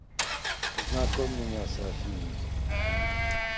познакомь меня с афиной